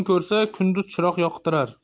ko'rsa kunduz chiroq yoqtirar